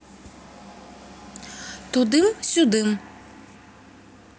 тудым сюдым